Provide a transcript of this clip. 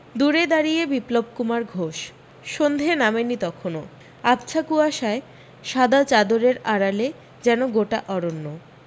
দূরে দাঁড়িয়ে বিপ্লব কুমার ঘোষ সন্ধে নামেনি তখনও আবছা কূয়াশায় সাদা চাদরের আড়ালে যেন গোটা অরণ্য